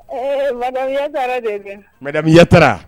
Ee madame Yattara de don madame Tattara